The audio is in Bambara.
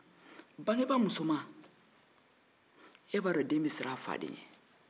bangebaga musoman b'a dɔn den bɛ siran fa de ɲɛ